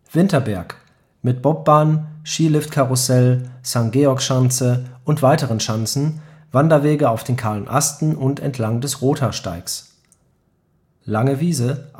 Winterberg (Bobbahn, Skiliftkarussell, St.-Georg-Schanze und weitere Schanzen, Wanderwege auf den Kahlen Asten und entlang des Rothaarsteigs), mit den Ortsteilen: Langewiese